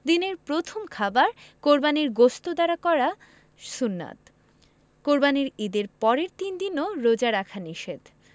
দিনের প্রথম খাবার কোরবানির গোশত দ্বারা করা সুন্নাত কোরবানির ঈদের পরের তিন দিনও রোজা রাখা নিষেধ